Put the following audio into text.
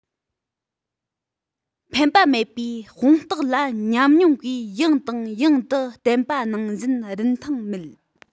ཕན པ མེད པའི དཔང རྟགས ལ ཉམས མྱོང གིས ཡང དང ཡང དུ བསྟན པ ནང བཞིན རིན ཐང མེད